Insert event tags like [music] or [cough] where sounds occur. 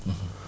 [hesitation] [hesitation]